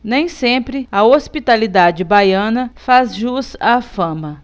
nem sempre a hospitalidade baiana faz jus à fama